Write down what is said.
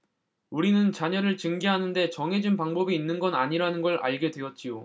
우리는 자녀를 징계하는 데 정해진 방법이 있는 건 아니라는 걸 알게 되었지요